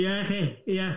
Ie, chi, ie.